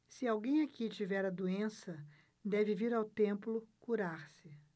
se alguém aqui tiver a doença deve vir ao templo curar-se